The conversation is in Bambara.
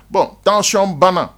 Bon tension banna